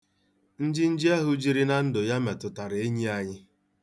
Njinji ahụ jiri na ndụ ya metụtara enyi anyị.